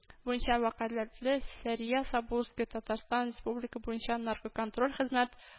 Буенча вәкаләтле сәрия сабурская, татарстан республика буенча наркоконтроль хезмәт